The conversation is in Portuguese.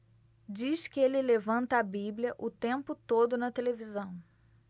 diz que ele levanta a bíblia o tempo todo na televisão